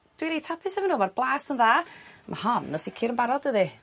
Dwi reit hapus efo n'w ma'r blas yn dda ma' hon y' sicir yn barod dydi?